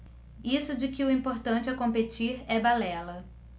isso de que o importante é competir é balela